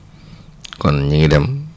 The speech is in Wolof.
kon ñu ngi dem